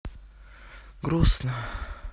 грустно